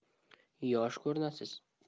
yosh ko'rinasiz